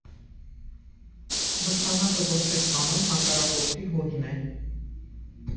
Մրցանակը, որպես կանոն, հակառակորդի հոլն է։